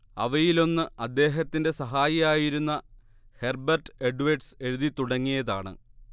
അവയിലൊന്ന് അദ്ദേഹത്തിന്റെ സഹായിയായിരുന്ന ഹെർബെർട്ട് എഡ്വേഡ്സ് എഴുതിത്തുടങ്ങിയതാണ്